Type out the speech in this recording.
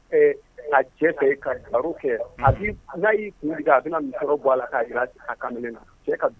Ɛɛ a cɛ fe yen ka baro Kɛ . Na yi kun digi a bi na musɔrɔ bɔ a la ka yira a kamalen na